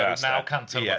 Naw cant a rhywbeth... Ie.